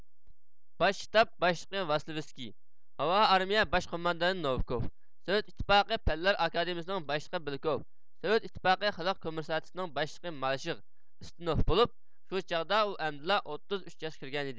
باش شتاب باشلىقى ۋاسلېيۋىسكىي ھاۋا ئارمىيە باش قوماندانى نوۋىكوف سوۋېت ئىتتىپاقى پەنلەر ئاكادېمىيىسىنىڭ باشلىقى بىلكوف سوۋېت ئىتتىپاقى خەلق كومسسارىئاتسنىڭ باشلىقى مالىشېغ ئۇستنوف بولۇپ شۇ چاغدا ئۇ ئەمدىلا ئوتتۇز ئۈچ ياشقا كىرگەنىدى